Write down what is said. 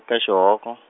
ka Xihoko.